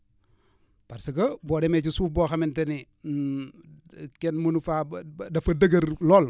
parce que boo demee ci suuf boo xamanate ne kenn mënu faa ba ba dafa dëgër lool